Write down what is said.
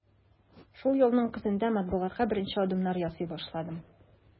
Шул елның көзендә матбугатта беренче адымнар ясый башладым.